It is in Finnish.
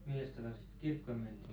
milläs tavalla sitten kirkkoon mentiin